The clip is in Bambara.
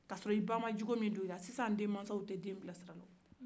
ka sɔrɔ i ba ma cogo min do i la sisan denmasaw tɛ den bilasirala